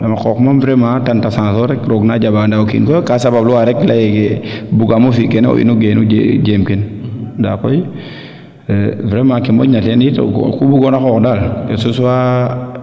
yaam a qooq moom vraiment tenter chance o rek roog na jamba yaam o kiin koy ka sabablu wa rek leye bugamo fi kene o inu geenu jeem kin ndaa koy vraiment ke moƴna teen yit ku bugoona xoox dal se soit